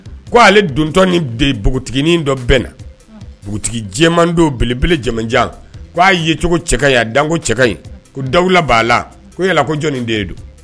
Ko ale dontɔ ni npogotiginin dɔ bɛnna, npogotigi jɛman don belebele janmanjan k'a yecogo cɛ ka ɲi ye a danko cɛ ka ɲi ko dawula b'a la ko yala ko jɔni den don